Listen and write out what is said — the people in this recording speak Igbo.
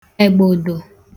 ègbụ̀dụ̀